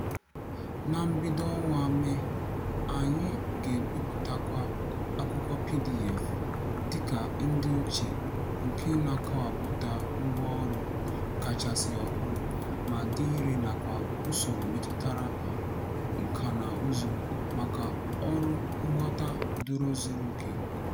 Ná mbido ọnwa Mee, anyị ga-ebipụtakwa akụkọ PDF dịka ndị ochie nke na-akọwapụta ngwáọrụ kachasị ọhụrụ ma dị irè nakwa usoro metụtara nkànaụzụ maka ọrụ nghọta doro zuru oke.